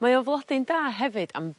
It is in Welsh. Mae o flodyn da hefyd am